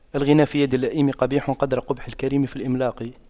الغنى في يد اللئيم قبيح قدر قبح الكريم في الإملاق